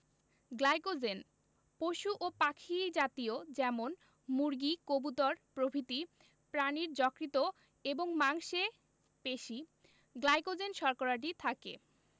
glycogen পশু ও পাখি জাতীয় যেমন মুরগি কবুতর প্রভৃতি প্রাণীর যকৃৎ এবং মাংসে পেশি গ্লাইকোজেন শর্করাটি থাকে